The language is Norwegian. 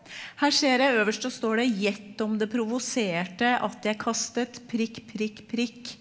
her ser jeg øverst så står det gjett om det provoserte at jeg kastet prikk prikk prikk.